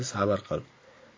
sabr qil